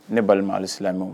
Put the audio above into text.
Ne balima hali silamɛ